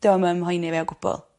'dio'm ym mhoeni fi o gwbwl.